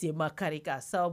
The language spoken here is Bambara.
Sen ma kari k'a sab